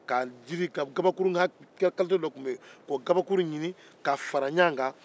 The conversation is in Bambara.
jiri ka kabakuru kalite dɔ tun bɛ yen k'o kabakuru ɲini ka fara ɲɔgɔn kan